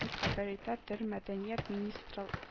Дип хәбәр итә тээр мәдәният министрл